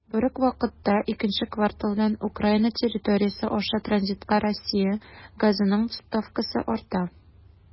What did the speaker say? Бер үк вакытта икенче кварталдан Украина территориясе аша транзитка Россия газының ставкасы арта.